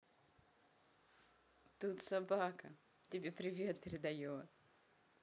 тут собака тебе привет передает